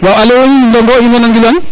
waaw alo Ndongo in way nan gilwang